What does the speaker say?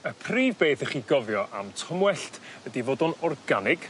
y prif beth 'dych chi gofio am tomwellt ydi fod o'n organig